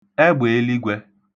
ẹgbèeligwẹ̄